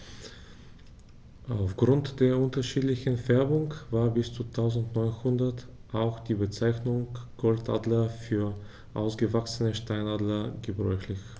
Auf Grund der unterschiedlichen Färbung war bis ca. 1900 auch die Bezeichnung Goldadler für ausgewachsene Steinadler gebräuchlich.